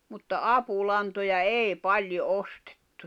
mutta apulantoja ei paljon ostettu